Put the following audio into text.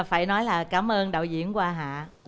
phải nói lời cảm ơn đạo diễn quang hạ